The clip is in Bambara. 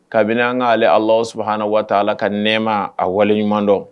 Kabini an ka'ale ala su ha waata ala ka nɛma a waleɲuman dɔn